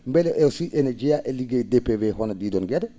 mbele e fii ene jeyaa ligey DPV hono ?ii ?oon ge?e